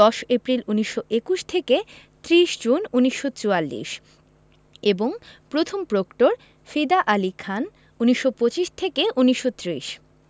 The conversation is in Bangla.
১০ এপ্রিল ১৯২১ থেকে ৩০ জুন ১৯৪৪ এবং প্রথম প্রক্টর ফিদা আলী খান ১৯২৫ থেকে ১৯৩০